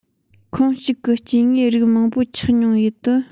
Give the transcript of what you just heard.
ཁོངས གཅིག གི སྐྱེ དངོས རིགས མང པོ ཆགས མྱོང བའི ཡུལ དུ